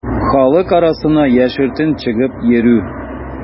Халык арасына яшертен чыгып йөрү.